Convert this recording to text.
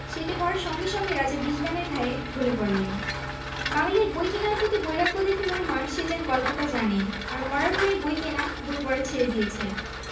সেইটে পড়ার সঙ্গে সঙ্গে রাজা বিষবাণের ঘায়ে ঢলে পড়লেন বাঙালীর বই কেনার প্রতি বৈরাগ্য দেখে মনে হয় সে যেন গল্পটা জানে আর মরার ভয়ে বই কেনা বই পড়া ছেড়ে দিয়েছে